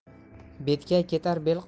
betkay ketar bel qolar